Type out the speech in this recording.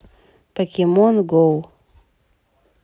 покемон гоу